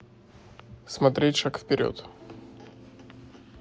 смотреть шаг вперед